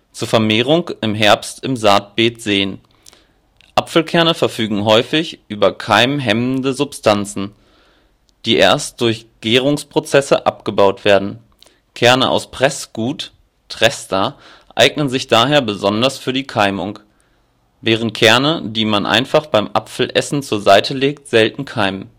Zur Vermehrung im Herbst im Saatbeet säen. Apfelkerne verfügen häufig über keimhemmende Substanzen, die erst durch Gärungprozesse abgebaut werden - Kerne aus Pressgut (Trester) eignen sich daher besonders für die Keimung, während Kerne, die man einfach beim Apfelessen zur Seite legt, selten keimen